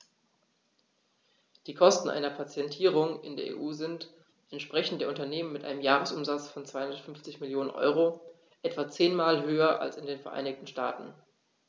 Die Kosten einer Patentierung in der EU sind, entsprechend der Unternehmen mit einem Jahresumsatz von 250 Mio. EUR, etwa zehnmal höher als in den Vereinigten Staaten.